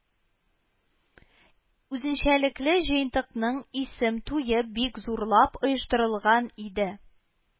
Үзенчәлекле җыентыкның исем туе бик зурлап оештырылган иде